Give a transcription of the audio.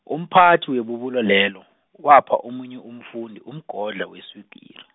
umphathi webubulo lelo, wapha omunye umfundi umgodla weswigiri.